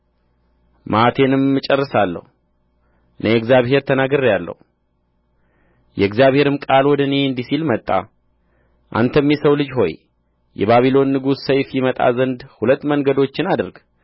መዓቴንም እጨርሳለሁ እኔ እግዚአብሔር ተናግሬአለሁ የእግዚአብሔርም ቃል ወደ እኔ እንዲህ ሲል መጣ አንተም የሰው ልጅ ሆይ የባቢሎን ንጉሥ ሰይፍ ይመጣ ዘንድ ሁለት መንገዶችን አድርግ